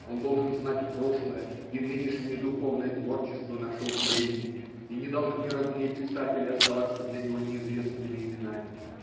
Он должен знать и прошлое, и нынешнее духовное творчество нашего племени, и не должны родные писатели оставаться для него неизвестными именами.